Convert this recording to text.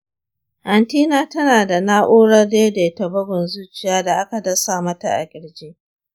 anty na tana da na'urar daidaita bugun zuciya da aka dasa mata a ƙirji.